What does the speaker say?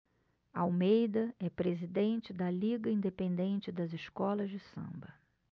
almeida é presidente da liga independente das escolas de samba